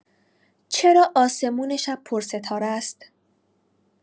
چرا آسمون شب پرستاره‌ست؟